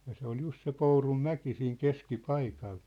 ja se oli juuri se Pourunmäki siinä keskipaikalla